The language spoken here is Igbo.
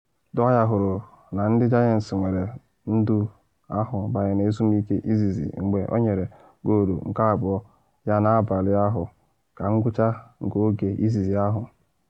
Dwyer hụrụ na ndị Giants were ndu ahụ banye n’ezumike izizi mgbe ọ nyere goolu nke abụọ ya n’abalị ahụ na ngwụcha nke oge izizi ahụ.